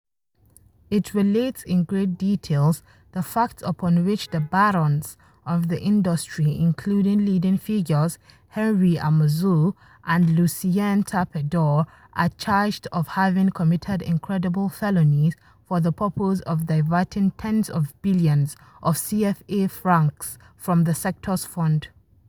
It relates in great details the facts upon which the ‘barons’ of the industry, including leading figures Henri Amouzou and Lucien Tapé Doh are charged of having committed incredible felonies for the purpose of diverting tens of billions of CFA francs from the sector's fund.